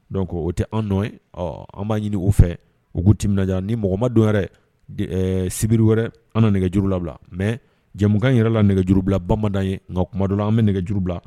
Don o tɛ an nɔ an b'a ɲini o fɛ u'u ti minna ni mɔgɔ ma dɔ yɛrɛ sibiri wɛrɛ an na nɛgɛj juru labila mɛ jamumukan yɛrɛ la nɛgɛj juruuru bila bamanan ye nka kuma don an bɛ nɛgɛj juruuru bila